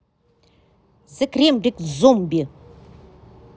the крембрис зомби